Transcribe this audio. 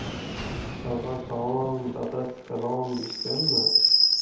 avval taom ba'daz kalom deyishganmi